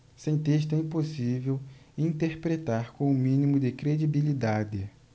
sem texto é impossível interpretar com o mínimo de credibilidade